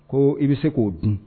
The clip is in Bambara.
Ko i bɛ se k'o dun